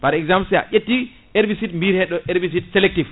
par exemple si a ƴetti herbicide mbiyeteɗo herbicide sélectif